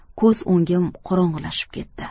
ko'z o'ngim qorong'ilashib ketdi